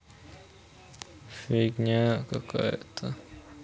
фигня какая то